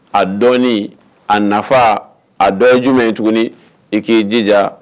A dɔɔnin a nafa a dɔ ye jumɛn ye tuguni i k'i jija